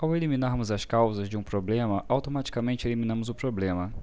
ao eliminarmos as causas de um problema automaticamente eliminamos o problema